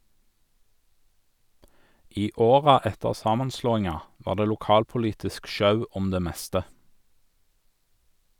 I åra etter samanslåinga var det lokalpolitisk sjau om det meste.